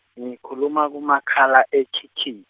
ngikhuluma kumakhalekhikhi-.